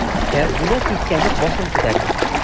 Тәгъзимә сискәнеп башын күтәрде.